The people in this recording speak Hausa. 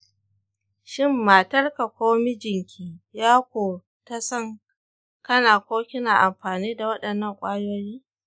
shin matarka ko mijinki ya ko ta san kana ko kina amfani da waɗannan ƙwayoyin?